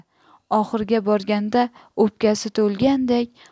oxiriga borganda o'pkasi to'lgandek